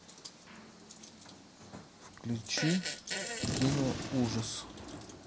включить киноужас